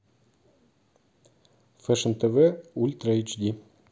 фэшн тв ультра эйч ди